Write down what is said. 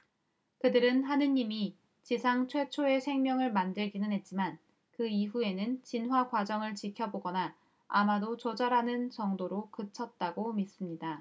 그들은 하느님이 지상 최초의 생명을 만들기는 했지만 그 이후에는 진화 과정을 지켜보거나 아마도 조절하는 정도로 그쳤다고 믿습니다